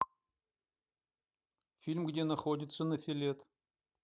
фильм где находится нофелет